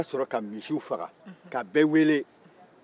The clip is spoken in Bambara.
a ka sɔrɔ ka misiw faga ka bɛɛ weele